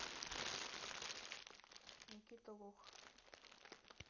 никита лох